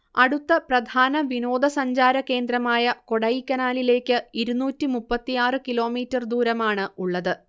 അടുത്ത പ്രധാന വിനോദസഞ്ചാരകേന്ദ്രമായ കൊടൈക്കനാലിലേക്ക് ഇരുന്നൂറ്റി മുപ്പത്തിയാറ് കിലോമീറ്റർ ദൂരമാണ് ഉള്ളത്